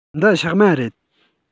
འདི ཕྱགས མ རེད